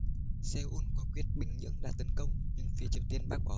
seoul quả quyết bình nhưỡng đã tấn công nhưng phía triều tiên bác bỏ